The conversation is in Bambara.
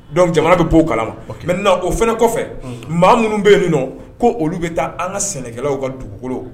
Dɔnku jamana bɛ'o kala o kɛmɛ na o fana kɔfɛ maa minnu bɛ yen nɔ ko olu bɛ taa an ka sɛnɛkɛlaw ka dugukolo